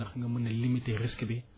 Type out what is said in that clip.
ndax nga mën a limiter risque bi